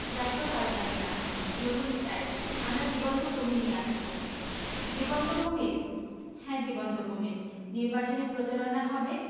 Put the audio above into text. জাতীয় ফাজলামী না নতুন স্টাইল আমরা জীবন্ত কুমীর নিয়ে আসব জীবন্ত কুমীর হ্যাঁ জীবন্ত কুমীর নির্বাচনী প্রচার হবে